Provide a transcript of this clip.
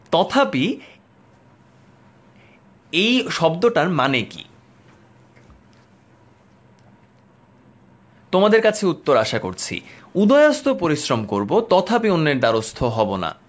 তথাপি এই শব্দটার মানে কি তোমাদের কাছে উত্তর আশা করছি উদয়াস্ত পরিশ্রম করব তথাপি অন্যের দ্বারস্থ হবো না